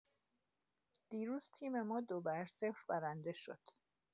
دیروز تیم ما دو بر صفر برنده شد.